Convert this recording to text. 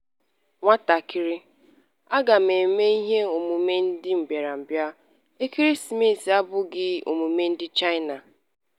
Nwatakịrị: Agaghị m eme emume ndị mbịarambịa, ekeresimesi abụghị emume ndị China.